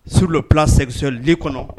Sdola sɛgsoli kɔnɔ